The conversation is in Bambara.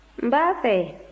n b'a fɛ